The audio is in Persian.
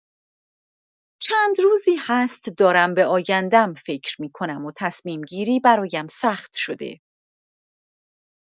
چندروزی هست دارم به آینده‌ام فکر می‌کنم و تصمیم‌گیری برایم سخت شده.